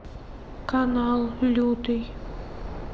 канал лютый